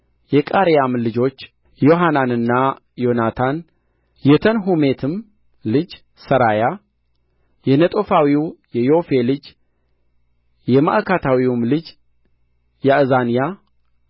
የቃሬያም ልጅ ዮሐናንና ዮናታን የተንሑሜትም ልጅ ሠራያ የነጦፋዊውም የዮፌ ልጆች የማዕካታዊውም ልጅ ያእዛንያ